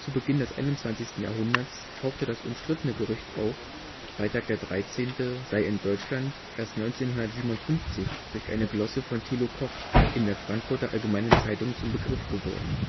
Beginn des 21. Jahrhunderts tauchte das umstrittene Gerücht auf, „ Freitag der 13. “sei in Deutschland erst 1957 durch eine Glosse von Thilo Koch in der Frankfurter Allgemeinen Zeitung zum Begriff geworden